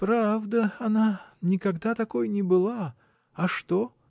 — Правда, она никогда такой не была — а что?